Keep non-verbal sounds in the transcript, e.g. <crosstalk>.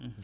<hesitation> <hesitation>